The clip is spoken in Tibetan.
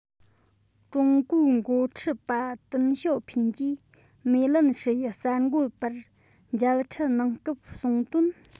ཀྲུང གོའི འགོ ཁྲིད པ ཏིན ཞོ ཕེན གྱིས མེ ལན ཧྲི ཡི གསར འགོད པར འཇལ འཕྲད གནང སྐབས གསུངས དོན